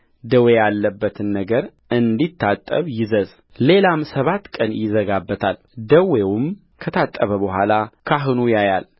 ደዌ ያለበቱ ነገር እንዲታጠብ ይዘዝ ሌላም ሰባት ቀን ይዘጋበታልደዌውም ከታጠበ በኋላ ካህኑ ያያል